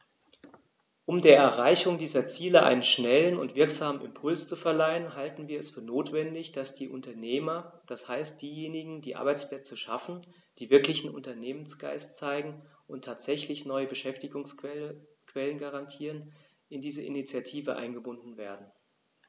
Um der Erreichung dieser Ziele einen schnellen und wirksamen Impuls zu verleihen, halten wir es für notwendig, dass die Unternehmer, das heißt diejenigen, die Arbeitsplätze schaffen, die wirklichen Unternehmergeist zeigen und tatsächlich neue Beschäftigungsquellen garantieren, in diese Initiative eingebunden werden.